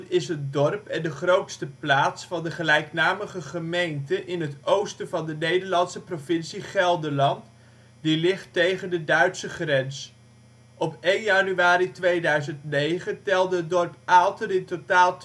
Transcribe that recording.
is een dorp en de grootste plaats van de gelijknamige gemeente in het oosten van de Nederlandse provincie Gelderland, die ligt tegen de Duitse grens. Op 1 januari 2009 telde het dorp Aalten in totaal 12.900